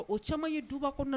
O caman ye duba kɔnɔ